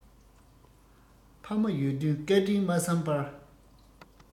ཕ མ ཡོད དུས བཀའ དྲིན མ བསམས པར